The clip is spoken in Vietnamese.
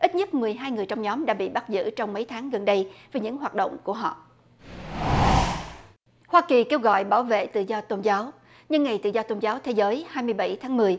ít nhất mười hai người trong nhóm đã bị bắt giữ trong mấy tháng gần đây về những hoạt động của họ hoa kỳ kêu gọi bảo vệ tự do tôn giáo nhưng ngày tự do tôn giáo thế giới hai mươi bảy tháng mười